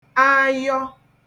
ayọ